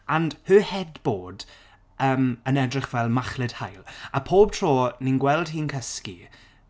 And her headboard yym yn edrych fel machlud haul. A pob tro ni'n gweld hi'n cysgu...